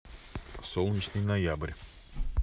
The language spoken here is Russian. солнечный ноябрь